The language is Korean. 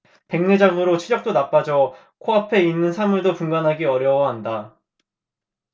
백내장으로 시력도 나빠져 코 앞에 있는 사물도 분간하기 어려워한다